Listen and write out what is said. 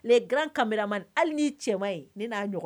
Les grands caméraman hali n'i cɛ man ɲi, ne n'a ɲɔgɔn